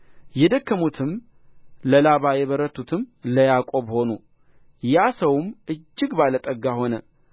የደከሙትም ለላባ የበረቱትም ለያዕቆብ ሆኑ ያ ሰውም እጅግ ባለ ጠጋ ሆነ